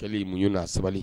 Jeli muɲ na sabali